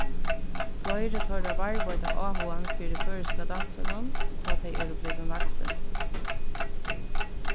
fleiri teirra varðveita áhugan fyri føroyska dansinum tá tey eru blivin vaksin